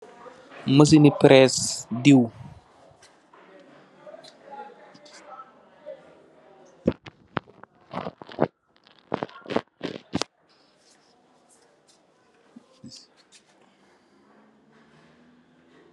Masin i perees diw